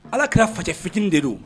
Ala kɛra fajɛ fit de don